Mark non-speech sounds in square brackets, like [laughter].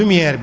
[hesitation] [hesitation]